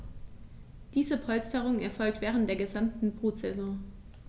Diese Polsterung erfolgt während der gesamten Brutsaison.